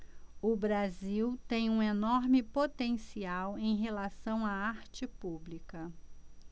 o brasil tem um enorme potencial em relação à arte pública